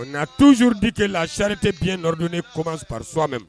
Nka tu syurdike lahari tɛ biɲɛ nɔdon ni kɔmanspsme